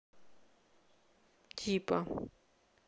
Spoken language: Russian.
типа